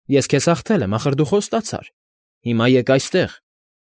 Ես քեզ հաղթել եմ, ախր դու խոստացար։ Հիմա եկ այստեղ։